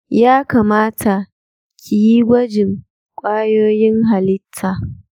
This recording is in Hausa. ya kamata kiyi kwajin kwayoyin halitta